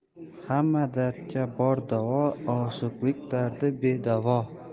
hamma dardga bor davo oshiqlik dardi bedavo